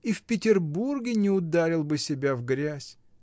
И в Петербурге не ударил бы себя в грязь.